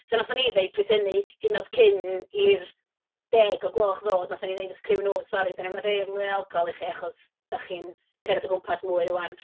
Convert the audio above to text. So wnaethon ni ddeud, pryd hynny, hyd yn oed cyn i'r deg o gloch ddod, wnaethon ni ddeud wrth criw nhw, "Sori, dan ni ddim yn rhoi mwy o alcohol i chi achos dach chi'n cerdded o gwmpas mwy 'wan".